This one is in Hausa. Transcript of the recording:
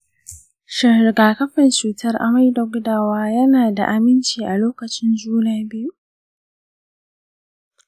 shin rigakafin cutar amai da gudawa ya na da aminci a lokacin juna-biyu?